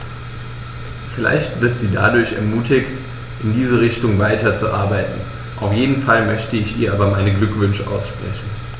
Vielleicht wird sie dadurch ermutigt, in diese Richtung weiterzuarbeiten, auf jeden Fall möchte ich ihr aber meine Glückwünsche aussprechen.